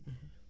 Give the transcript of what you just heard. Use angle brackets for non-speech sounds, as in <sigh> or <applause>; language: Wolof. <hesitation> <hesitation>